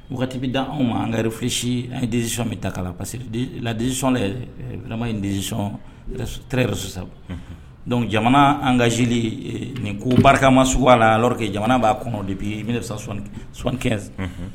Wagati bɛ da anw ma an ka réfléchi an ye décision min ta kalan parce que la disision là est vraiment une décision très responsable , unhun, donc jamana engagé li nin ko barikama suguya la aolrs que jamana depuis 1975 , unhun